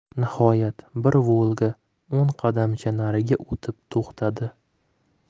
nihoyat bir volga o'n qadamcha nariga o'tib to'xtadi